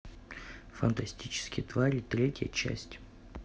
фантастические твари третья часть